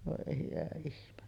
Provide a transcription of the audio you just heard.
voi hyvä ihme